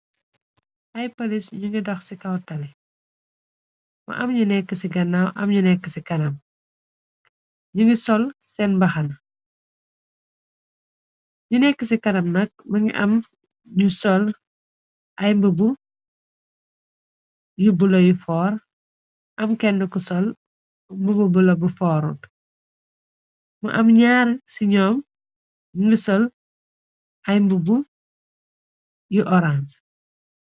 Ay polis ñu ngi dox ci kaw tali, mu am ñu nekka ci gannaaw am ñu nekka ci kanam, ñu ngi sol seen baxana. Yu nekka ci kanam nak ma ngi am ñu sol ay mbu bu yu bulo yu foor am kenn ku sol mu mu bulo bu foorut , mu am ñaar ci ñoom yu ngi sol ay mbu bu yu orange.